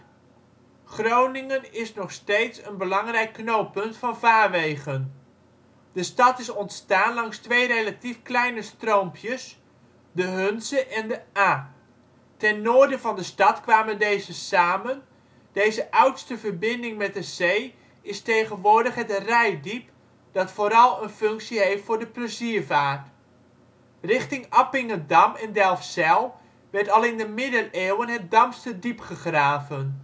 Groningen is nog steeds een belangrijk knooppunt van vaarwegen. De stad is ontstaan langs twee relatief kleine stroompjes, de Hunze en de Aa. Ten noorden van de stad kwamen deze samen, deze oudste verbinding met de zee is tegenwoordig het Reitdiep, dat vooral een functie heeft voor de pleziervaart. Richting Appingedam en Delfzijl werd al in de middeleeuwen het Damsterdiep gegraven